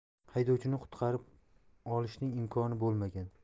haydovchini qutqarib olishning imkoni bo'lmagan